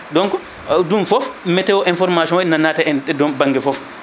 donc ɗum foof météo information ne nataya e ɗon banggue foof